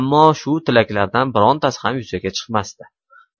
ammo shu tilaklardan bittasi ham yuzaga chiqmasdi